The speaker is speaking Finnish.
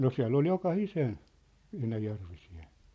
no siellä oli jokaisen enäjärvisen